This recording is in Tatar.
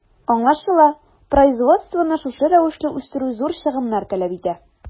Аңлашыла, производствоны шушы рәвешле үстерү зур чыгымнар таләп итә.